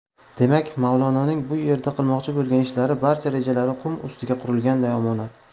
demak mavlononing bu yerda qilmoqchi bo'lgan ishlari barcha rejalari qum ustiga qurilganday omonat